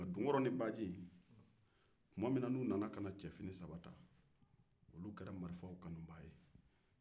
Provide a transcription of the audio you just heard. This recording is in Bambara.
u kɛlen ka cɛfini saba ta dunkɔrɔ ni baji kɛra marifa kanubaaw ye